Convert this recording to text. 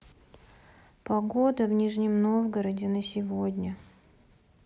погода в нижнем новгороде на сегодня